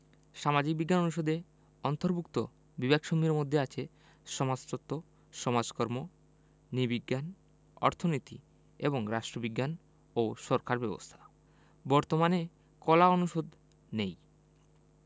সামাজিক বিজ্ঞান অনুষদে অন্তর্ভুক্ত বিভাগসমূহের মধ্যে আছে সমাজতত্ত্ব সমাজকর্ম নিবিজ্ঞান অর্থনীতি এবং রাষ্টবিজ্ঞান ও সরকার ব্যবস্থা বর্তমানে কলা অনুষদ নেই